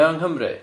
Mae o' Nghymru?